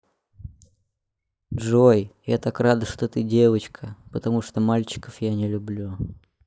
джой я так рада что ты девочка потому что мальчиков я не люблю